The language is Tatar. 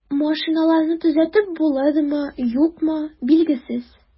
Машиналарны төзәтеп булырмы, юкмы, билгесез.